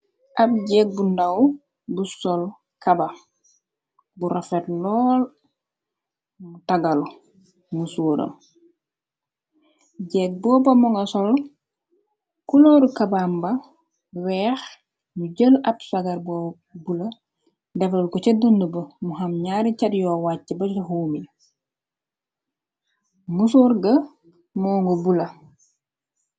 ab jeeg bu ndàw bu sol kaba bu rofet lool mu tagalu mu souram jeeg booba monga sol ku looru kabamba weex ñu jël ab sagar boo bula defal ko ca dund ba mu xam ñaari car yoo wàcc bac huumi mu soor ga moo ngu bula.